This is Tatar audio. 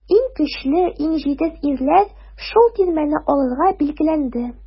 Иң көчле, иң җитез ирләр шул тирмәне алырга билгеләнде.